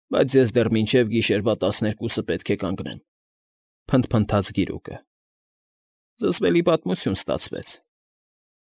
Բայց ես դեռ մինչև գիշերվա տասներկուսը պետք է կանգնեմ,֊ փնթփնթաց գիրուկը։֊ Զզվելի պատմություն ստացվեց։